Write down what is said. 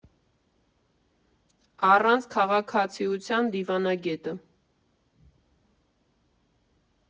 «Առանց քաղաքացիության դիվանագետը»